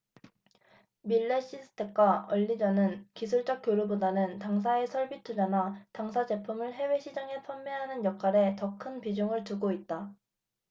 밀레시스텍과 얼리젼은 기술적 교류 보다는 당사에 설비 투자나 당사 제품을 해외시장에 판매하는 역할에 더 큰 비중을 두고 있다